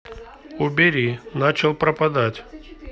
убери начал пропадать